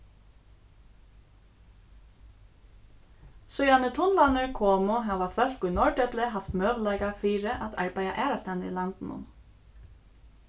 síðan tunlarnir komu hava fólk í norðdepli havt møguleika fyri at arbeiða aðrastaðni í landinum